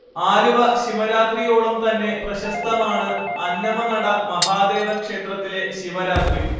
ആലുവ ശിവരാത്രിയോളം തന്നെ പ്രശസ്തമാണ് അന്നമനട മഹാദേവ ക്ഷേത്രത്തിലെ ശിവരാത്രി